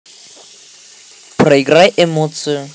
проиграй эмоцию